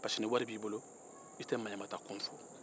ni wari bɛ i bolo i tɛ maɲumatɔkan fɔ